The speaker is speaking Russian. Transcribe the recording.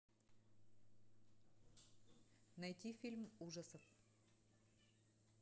найти фильм ужасов